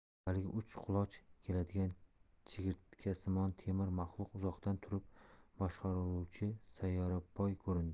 avvaliga uch quloch keladigan chigirtkasimon temir maxluq uzoqdan turib boshqariluvchi sayyorapoy ko'rindi